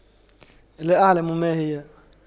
لا أعلم ماهي